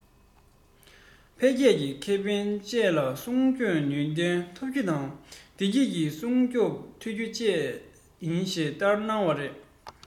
འཕེལ རྒྱས ཀྱི ཁེ ཕན བཅས ལ སྲུང སྐྱོབ ནུས ལྡན ཐུབ རྒྱུ དང བདེ སྐྱིད ལ སྲུང སྐྱོབ ཐུབ རྒྱུ བཅས ཡིན ཞེས བསྟན གནང བ རེད